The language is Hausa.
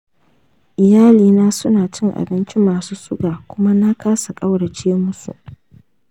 iyalina su na cin abinci masu suga, kuma na kasa ƙaurace musu.